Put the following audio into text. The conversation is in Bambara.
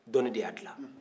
dɔnni de y'a dilan